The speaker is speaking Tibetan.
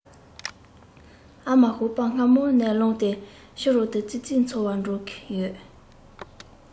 ཨ མ ཞོགས པ སྔ མོ ནས ལངས ཏེ ཕྱི རོལ དུ ཙི ཙི འཚོལ བར འགྲོ གི ཡོད